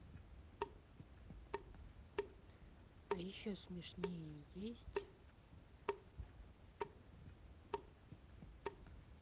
а еще смешнее есть